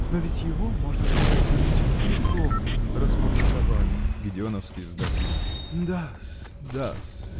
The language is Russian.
но ведь его, можно сказать, на всю Европу распубликовали. Гедеоновокий вздохнул. -- Да-с, да-с.